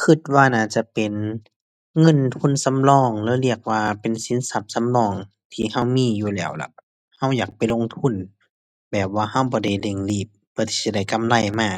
คิดว่าน่าจะเป็นเงินทุนสำรองหรือเรียกว่าเป็นสินทรัพย์สำรองที่คิดมีอยู่แล้วล่ะ คิดอยากไปลงทุน แบบว่าคิดบ่ได้เร่งรีบเพื่อที่จะได้กำไรมา